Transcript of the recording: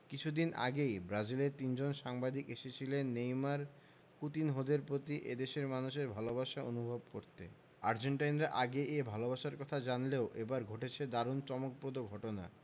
কিছুদিন আগেই ব্রাজিলের তিনজন সাংবাদিক এসেছিলেন নেইমার কুতিনহোদের প্রতি এ দেশের মানুষের ভালোবাসা অনুভব করতে আর্জেন্টাইনরা আগেই এই ভালোবাসার কথা জানলেও এবার ঘটেছে দারুণ চমকপ্রদ ঘটনা